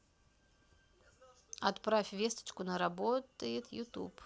отправь весточку не работает youtube